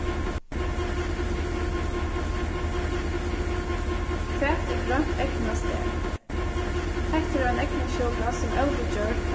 hvat er grønt eygnastar hetta er ein eygnasjúka sum óviðgjørd